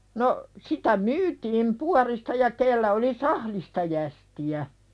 no sitä myytiin puodista ja kenellä oli sahdista jästiä